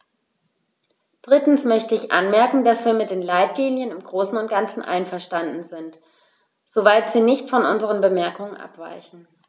Drittens möchte ich anmerken, dass wir mit den Leitlinien im großen und ganzen einverstanden sind, soweit sie nicht von unseren Bemerkungen abweichen.